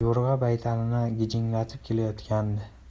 yo'rg'a baytalini gijinglatib kelayotgandi